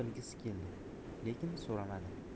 bilgisi keldi lekin so'ramadi